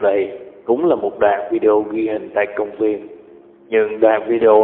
tiếp theo đây cũng là một đoạn video ghi hình tại công viên